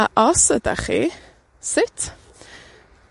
A os ydach chi, sut?